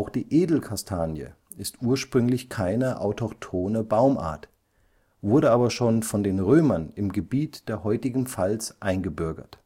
die Edelkastanie ist ursprünglich keine autochthone Baumart, wurde aber schon von den Römern im Gebiet der heutigen Pfalz eingebürgert